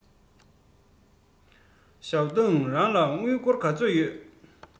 ཞའོ ཏིང རང ལ དངུལ སྒོར ག ཚོད ཡོད